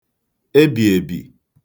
ebìèbì